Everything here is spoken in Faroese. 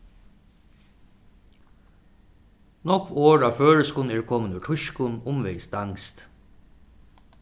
nógv orð á føroyskum eru komin úr týskum umvegis danskt